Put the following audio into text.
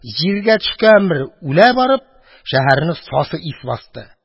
Җиргә төшкән бере үлә барып, шәһәрне сасы ис басты.